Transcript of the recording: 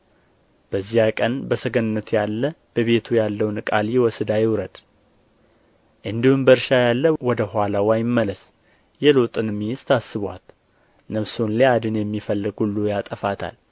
በዚያም ቀን በሰገነት ያለ በቤቱ ያለውን ዕቃ ሊወስድ አይውረድ እንዲሁም በእርሻ ያለ ወደ ኋላው አይመለስ የሎጥን ሚስት አስቡአት